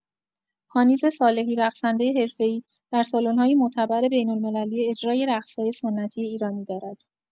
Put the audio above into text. پانیذ صالحی، رقصنده حرفه‌ای، در سالن‌های معتبر بین‌المللی اجرای رقص‌های سنتی ایرانی دارد.